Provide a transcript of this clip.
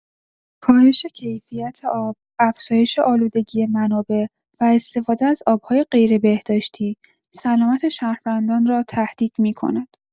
کاهش کیفیت آب، افزایش آلودگی منابع و استفاده از آب‌های غیربهداشتی، سلامت شهروندان را تهدید می‌کند.